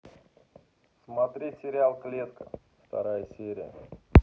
смотреть сериал клетка вторая серия